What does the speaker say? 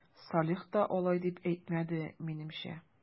Салих та алай дип әйтмәде, минемчә...